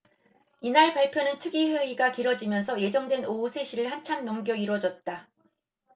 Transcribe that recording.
이날 발표는 특위 회의가 길어지면서 예정된 오후 세 시를 한참 넘겨 이뤄졌다